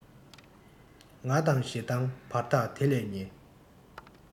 ང དང ཞེ སྡང བར ཐག དེ ལས ཉེ